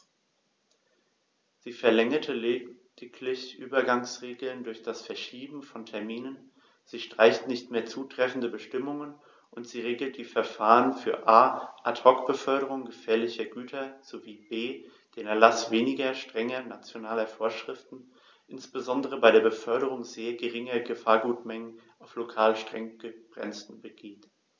Sie verlängert lediglich Übergangsregeln durch das Verschieben von Terminen, sie streicht nicht mehr zutreffende Bestimmungen, und sie regelt die Verfahren für a) Ad hoc-Beförderungen gefährlicher Güter sowie b) den Erlaß weniger strenger nationaler Vorschriften, insbesondere bei der Beförderung sehr geringer Gefahrgutmengen auf lokal streng begrenzten Gebieten.